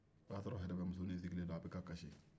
o y'a sɔrɔ yɛrɛbɛ musonin sigilen don a bɛ kan ka kasi